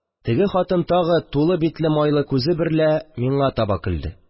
Теге хатын тагы тулы битле майлы күзе берлә миңа таба көлде